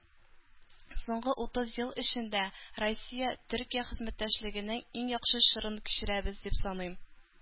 Соңгы утыз ел эчендә Россия-Төркия хезмәттәшлегенең иң яхшы чорын кичерәбез дип саныйм.